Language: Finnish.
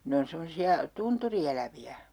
ne on semmoisia tunturieläviä